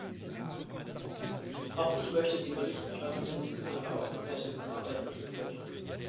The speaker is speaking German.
Auch ich möchte die Berichterstatterin zu ihrer ausgezeichneten Arbeit beglückwünschen.